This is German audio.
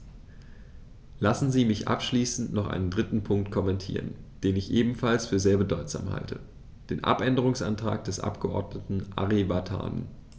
Lassen Sie mich abschließend noch einen dritten Punkt kommentieren, den ich ebenfalls für sehr bedeutsam halte: den Abänderungsantrag des Abgeordneten Ari Vatanen.